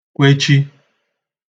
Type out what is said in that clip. kwechi